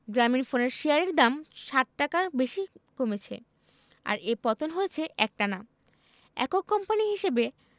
গ্রামীণফোনের শেয়ারের দাম ৬০ টাকার বেশি কমেছে আর এ পতন হয়েছে একটানা একক কোম্পানি হিসেবে